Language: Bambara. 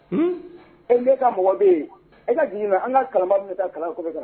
Un e' ka mɔgɔ bɛ e ka jigin na an ka kala min bɛ taa kala kɔ